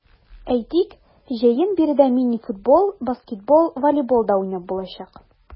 Әйтик, җәен биредә мини-футбол, баскетбол, волейбол да уйнап булачак.